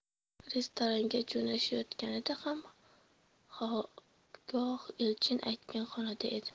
restoranga jo'nashayotganida ham xobgoh elchin aytgan xonada edi